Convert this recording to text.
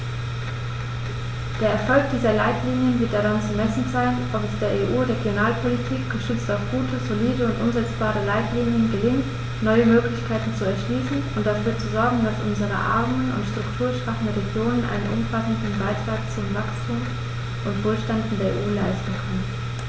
Der Erfolg dieser Leitlinien wird daran zu messen sein, ob es der EU-Regionalpolitik, gestützt auf gute, solide und umsetzbare Leitlinien, gelingt, neue Möglichkeiten zu erschließen und dafür zu sorgen, dass unsere armen und strukturschwachen Regionen einen umfassenden Beitrag zu Wachstum und Wohlstand in der EU leisten können.